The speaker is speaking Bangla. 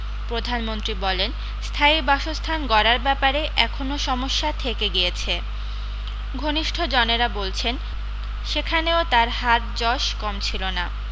প্রধানমন্ত্রী বলেন স্থায়ী বাসস্থান গড়ার ব্যাপারে এখনও সমস্যা থেকে গিয়েছে ঘনিষ্ঠজনেরা বলছেন সেখানেও তার হাতযশ কম ছিল না